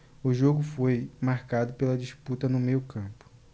o jogo foi marcado pela disputa no meio campo